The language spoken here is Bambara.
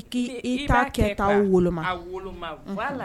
K i' kɛ' wolo